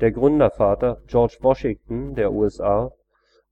der Gründervater George Washington der USA